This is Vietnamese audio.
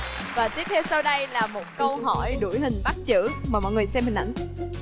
và tiếp theo sau đây là một câu hỏi đuổi hình bắt chữ mà mọi người xem hình ảnh